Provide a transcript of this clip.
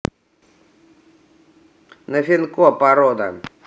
nofenko порода